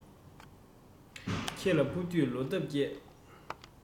ཁྱེད ལ ཕུལ དུས ལོ འདབ རྒྱས